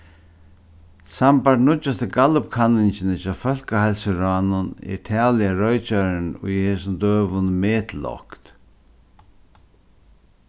sambært nýggjastu gallupkanningini hjá fólkaheilsuráðnum er talið á roykjarum í hesum døgum metlágt